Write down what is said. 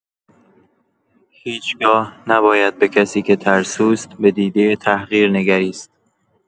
هیچ‌گاه نباید به کسی که ترسو است، به دیده تحقیر نگریست.